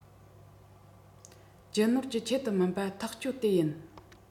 རྒྱུ ནོར གྱི ཆེད དུ མིན པ ཐག གཅོད དེ ཡིན